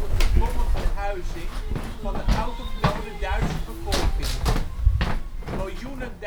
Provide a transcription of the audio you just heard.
gedwongen verhuizing van de autochtone Duitse bevolking. Miljoenen